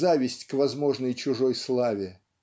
зависть к возможной чужой славе